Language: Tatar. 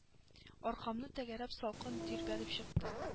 Аркамны тәгәрәп салкын тир бәреп чыкты